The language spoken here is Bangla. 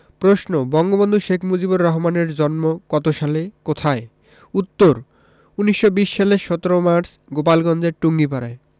প্রশ্ন বঙ্গবন্ধু শেখ মুজিবুর রহমানের জন্ম কত সালে কোথায় উত্তর ১৯২০ সালের ১৭ মার্চ গোপালগঞ্জের টুঙ্গিপাড়ায়